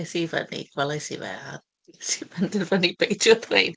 Es i i fyny, gwelais i fe, a wnes i penderfynu beidio ddweud.